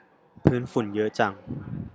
พื้นฝุ่นเยอะจัง